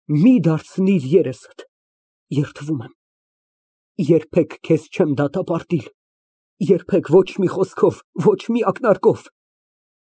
Մի դարձնիր երեսդ, երդվում եմ, երբեք քեզ չեմ դատապարտել, երբեք, ոչ մի խոսքով, ոչ մի ակնարկով։